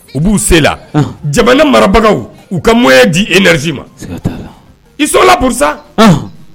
U b'u se la. Ahan. jamana marabagaw u ka moyen di énergie ma. Siga t'a la. Ils sont la pour ça